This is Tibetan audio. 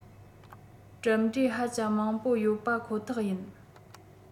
གྲུབ འབྲས ཧ ཅང མང པོ ཡོད པ ཁོ ཐག ཡིན